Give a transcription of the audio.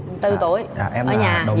mươi tư tuổi dạ em ở nhà đầu